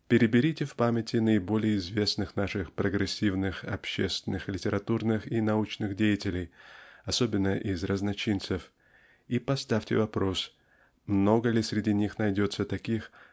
Переберите в памяти наиболее известных наших прогрессивных общественных литературных и научных деятелей особенно из разночинцев и поставьте вопрос много ли среди них найдется таких